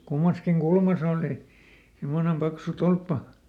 kummassakin kulmassa oli semmoinen paksu tolppa